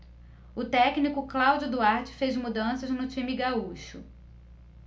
o técnico cláudio duarte fez mudanças no time gaúcho